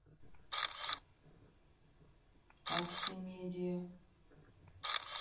аксимедиа